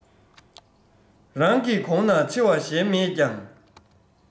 རང གི གོང ན ཆེ བ གཞན མེད ཀྱང